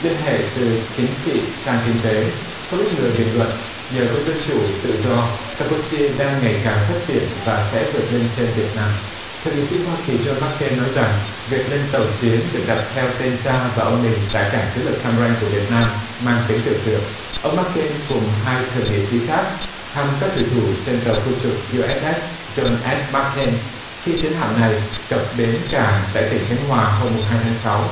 liên hệ từ chính trị sang kinh tế không ít người bình luận nhờ có dân chủ tự do cam pu chia đang ngày càng phát triển và sẽ vượt lên trên việt nam thượng nghị sĩ hoa kỳ gion mác kên nói rằng việc lên tàu chiến được đặt theo tên cha và ông mình tại cảng chiến lược cam ranh của việt nam mang tính biểu tượng ông mác kên cùng hai thượng nghị sĩ khác thăm các thủy thủ trên tàu khu trục diu ét ét gion ét mác kên khi chiến hạm này cập bến cảng tại tỉnh khánh hòa hôm mùng hai tháng sáu